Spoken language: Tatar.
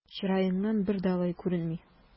Чыраеңнан бер дә алай күренми!